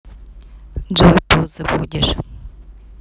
джой позы будешь